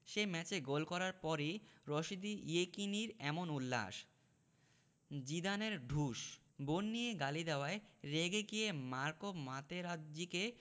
সে ম্যাচে গোল করার পরই রশিদী ইয়েকিনির এমন উল্লাস জিদানের ঢুস বোন নিয়ে গালি দেওয়ায় রেগে গিয়ে মার্কো মাতেরাজ্জিকে